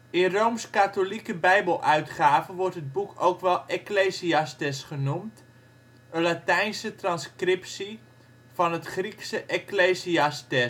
In roomskatholieke bijbeluitgaven wordt het boek ook wel Ecclesiastes genoemd, een Latijnse transcriptie van het Griekse èkklesiastés. In